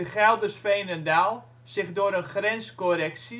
Gelders Veenendaal zich door een grenscorrectie